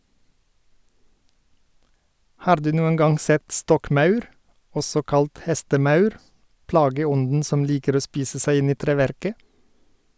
Har du noen gang sett stokkmaur, også kalt hestemaur , plageånden som liker å spise seg inn i treverket?